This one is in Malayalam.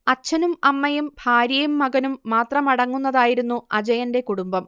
അച്ഛനും അമ്മയും ഭാര്യയും മകനും മാത്രമടങ്ങുന്നതായിരുന്നു അജയന്റെ കുടുംബം